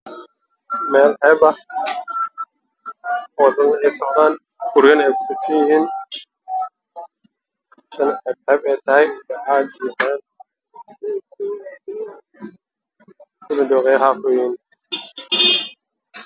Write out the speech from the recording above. Waa meel banaan guri dabaq aya ku taala